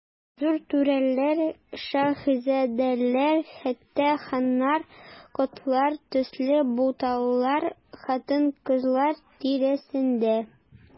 Зур түрәләр, шаһзадәләр, хәтта ханнар, коллар төсле буталалар хатын-кызлар тирәсендә.